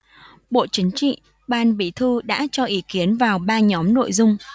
bộ chính trị ban bí thư đã cho ý kiến vào ba nhóm nội dung